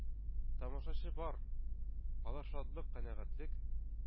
Тамашачы бар! Алар шатлык, канәгатьлек,